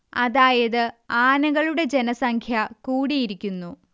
അതായത് ആനകളുടെ ജനസംഖ്യ കൂടിയിരിക്കുന്നു